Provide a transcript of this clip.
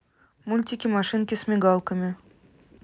мультики машинки с мигалками